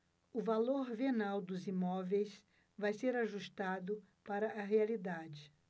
o valor venal dos imóveis vai ser ajustado para a realidade